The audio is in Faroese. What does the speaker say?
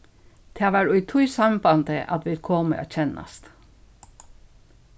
tað var í tí sambandi at vit komu at kennast